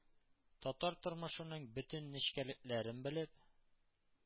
Татар тормышының бөтен нечкәлекләрен белеп,